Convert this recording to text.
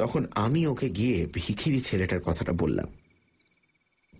তখন আমি ওকে গিয়ে ভিখিরি ছেলেটার কথা বললাম